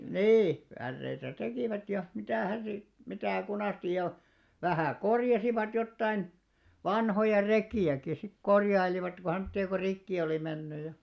niin päreitä tekivät ja mitähän sitten mitä kunasti ja vähän korjasivat jotakin vanhoja rekiäkin sitten korjailivat kun on semmoisia kun rikki oli mennyt ja